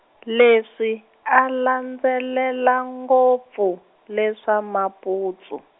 leswi a landzelela ngopfu, leswa maputsu.